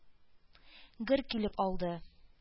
Гөр килеп алды.